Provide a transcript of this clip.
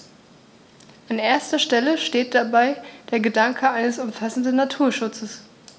An erster Stelle steht dabei der Gedanke eines umfassenden Naturschutzes.